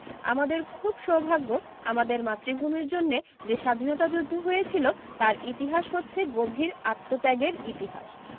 আমাদের খুব সৌভাগ্য আমাদের মাতৃভূমির জন্যে যে স্বাধীনতা যুদ্ধ হয়েছিল তার ইতিহাস হচ্ছে গভীর আত্মত্যাগের ইতিহাস